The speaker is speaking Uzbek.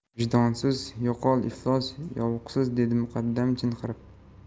vijdonsiz yo'qol iflos yuvuqsiz dedi muqaddam chinqirib